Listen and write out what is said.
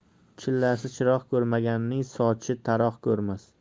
chillasi chiroq ko'rmaganning sochi taroq ko'rmas